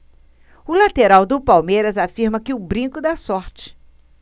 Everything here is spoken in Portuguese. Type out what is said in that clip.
o lateral do palmeiras afirma que o brinco dá sorte